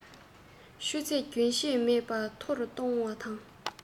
ཁ གཏད རྒྱབ སྐྱོར བྱེད པའི ལས ཀའི